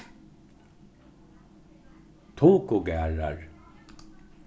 tungugarðar